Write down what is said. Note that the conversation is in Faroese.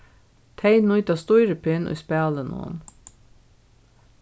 tey nýta stýripinn í spælinum